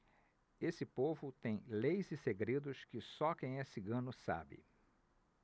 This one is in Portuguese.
esse povo tem leis e segredos que só quem é cigano sabe